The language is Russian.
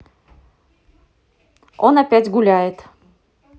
он опять гуляет